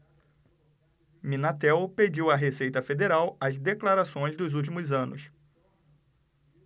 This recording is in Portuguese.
minatel pediu à receita federal as declarações dos últimos anos